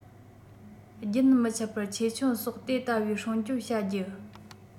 རྒྱུན མི ཆད པར ཆེ ཆུང སོགས དེ ལྟ བུའི སྲུང སྐྱོང བྱ རྒྱུ